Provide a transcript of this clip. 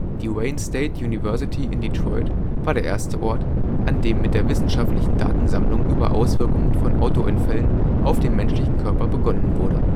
Die Wayne State University in Detroit war der erste Ort, an dem mit der wissenschaftlichen Datensammlung über Auswirkungen von Autounfällen auf den menschlichen Körper begonnen wurde